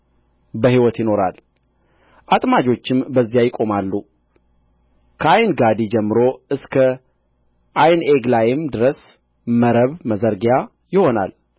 በሕይወት ይኖራል አጥማጆችም በዚያ ይቆማሉ ከዓይንጋዲ ጀምሮ እስከ ዓይንኤግላይም ድረስ መረብ መዘርጊያ ይሆናል